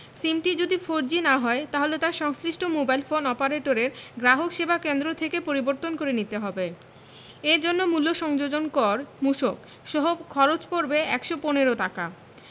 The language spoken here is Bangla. সিমটি যদি ফোরজি না হয় তাহলে তা সংশ্লিষ্ট মোবাইল ফোন অপারেটরের গ্রাহকসেবা কেন্দ্র থেকে পরিবর্তন করে নিতে হবে এ জন্য মূল্য সংযোজন কর মূসক সহ খরচ পড়বে ১১৫ টাকা